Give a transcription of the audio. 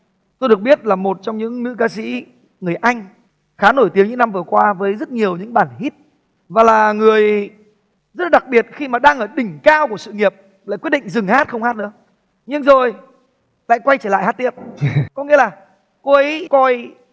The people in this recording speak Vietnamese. tôi được biết là một trong những nữ ca sĩ người anh khá nổi tiếng những năm vừa qua với rất nhiều những bản hit và là người rất đặc biệt khi mà đang ở đỉnh cao của sự nghiệp lại quyết định dừng hát không hát nữa nhưng rồi lại quay trở lại hát tiếp có nghĩa là cô ấy coi